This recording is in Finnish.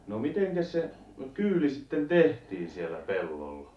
no mitenkäs se kyyli sitten tehtiin siellä pellolla